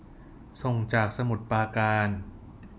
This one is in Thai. ส่งจากสมุทรปราการ